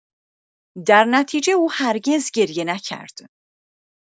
درنتیجه او هرگز گریه نکرد.